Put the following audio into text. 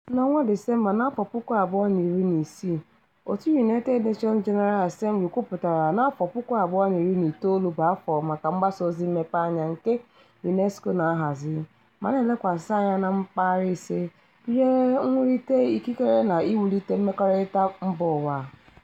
Na Disemba 2016, òtù United Nations General Assembly kwupụtara na 2019 bụ afọ maka mgbasaozi mmepeanya nke UNESCO na-ahazi ma na-elekwasị anya na mpaghara ise, gụnyere mwulite ikikere na iwulite mmekọrịta mbaụwa.